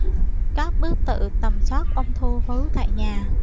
các bước tự tầm soát ung thư vú tại nhà